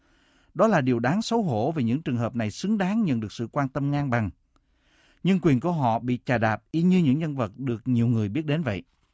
đó là điều đáng xấu hổ về những trường hợp này xứng đáng nhận được sự quan tâm ngang bằng nhưng quyền của họ bị chà đạp y như những nhân vật được nhiều người biết đến vậy